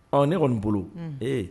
Ɔ ne kɔni bolo ee